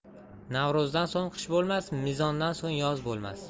navro'zdan so'ng qish bo'lmas mizondan so'ng yoz bo'lmas